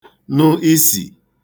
nụ isì